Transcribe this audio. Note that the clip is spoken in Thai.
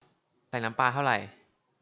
ใส่น้ำปลาเท่าไร